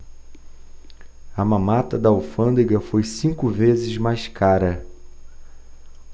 a mamata da alfândega foi cinco vezes mais cara